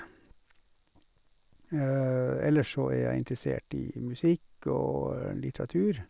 Ellers så er jeg interessert i musikk og litteratur.